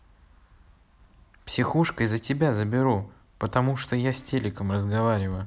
психушка из за тебя заберу потому что я с телеком разговариваю